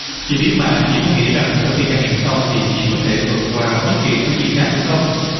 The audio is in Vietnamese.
chị biết mà chị có nghĩ rằng sau khi cai nghiện xong thì chị có thể vượt qua bất kỳ thứ gì khác đúng không